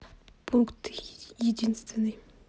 пункт единственный